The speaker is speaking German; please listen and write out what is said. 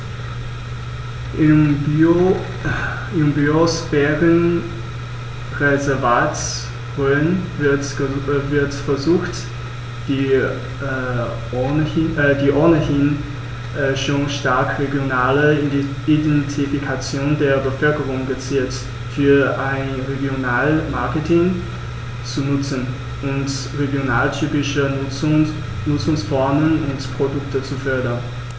Im Biosphärenreservat Rhön wird versucht, die ohnehin schon starke regionale Identifikation der Bevölkerung gezielt für ein Regionalmarketing zu nutzen und regionaltypische Nutzungsformen und Produkte zu fördern.